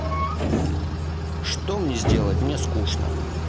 что мне сделать мне скучно